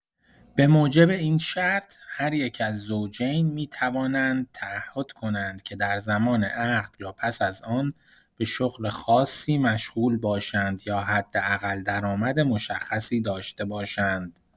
به‌موجب این شرط، هر یک از زوجین می‌توانند تعهد کنند که در زمان عقد یا پس از آن به شغل خاصی مشغول باشند یا حداقل درآمد مشخصی داشته باشند.